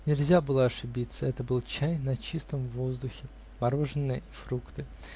Нельзя было ошибиться: это был чай на чистом воздухе, мороженое и фрукты.